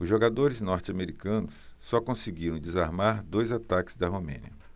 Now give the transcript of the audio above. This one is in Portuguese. os jogadores norte-americanos só conseguiram desarmar dois ataques da romênia